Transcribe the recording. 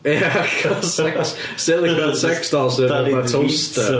Ia cael sex silicone sexdoll sy 'di bod mewn toaster.